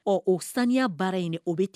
Ɔ o saniya baara yen o bɛ ten